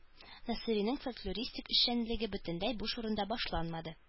Насыйриның фольклористик эшчәнлеге бөтенләй буш урында башланмады